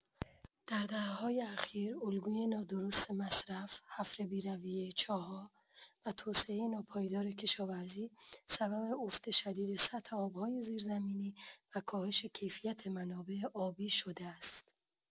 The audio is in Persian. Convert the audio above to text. در دهه‌های اخیر، الگوی نادرست مصرف، حفر بی‌رویۀ چاه‌ها، و توسعۀ ناپایدار کشاورزی سبب افت شدید سطح آب‌های زیرزمینی و کاهش کیفیت منابع آبی شده است.